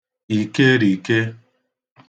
ìkerìke